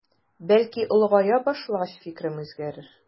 Бәлки олыгая башлагач фикерем үзгәрер.